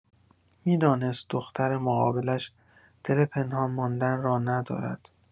می‌دانست دختر مقابلش دل پنهان ماندن را ندارد.